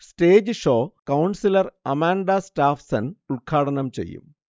stage show councillor Amanda Staffdon ഉൽഘാടനം ചെയ്യും